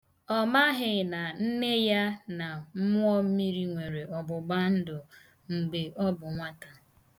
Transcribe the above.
Ọ maghị na nne ya na mmụọmmiri nwere ọgbụgbandụ mgbe ọ bụ nwata.